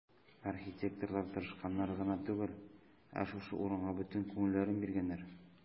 Архитекторлар тырышканнар гына түгел, ә шушы урынга бөтен күңелләрен биргәннәр.